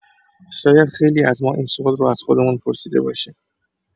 شاید خیلی از ما این سوال رو از خودمون پرسیده باشیم.